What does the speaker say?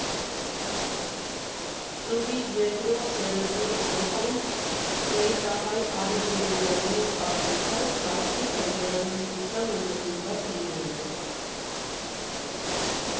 Խմբի երկրորդ սերնդի անդամ, ֆլեյտահար Արիկ Գրիգորյանի կարծիքով՝ գաղտնիքը երաժշտությանը նվիրված լինելն է։